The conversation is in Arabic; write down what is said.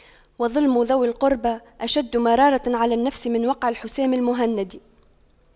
وَظُلْمُ ذوي القربى أشد مرارة على النفس من وقع الحسام المهند